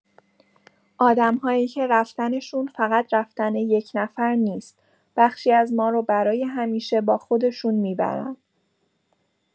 آدم‌هایی که رفتنشون فقط رفتن یک نفر نیست، بخشی از ما رو برای همیشه با خودشون می‌برن.